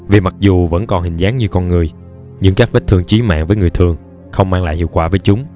vì mặc dù vẫn có hình dáng như con người nhưng các vết thương chí mạng với người thường không mang lại hiệu quả với chúng